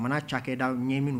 Bamanan cakɛda ɲɛ min